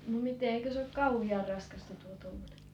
miten eikös se ole kauhean raskasta tuo tuommoinen